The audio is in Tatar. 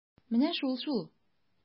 Менә шул-шул!